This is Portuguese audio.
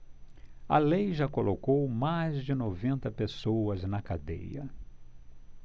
a lei já colocou mais de noventa pessoas na cadeia